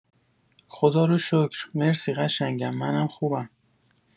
خداروشکر مرسی قشنگم منم خوبم